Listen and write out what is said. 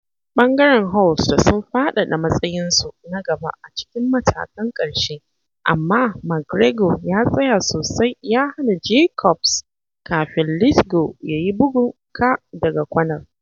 Ɓangaren Holt da sun faɗaɗa matsayinsu na gaba a cikin matakan ƙarshe amma McGregor ya tsaya sosai ya hana Jacobs kafin Lithgow ya yi bugun ka daga kwanar.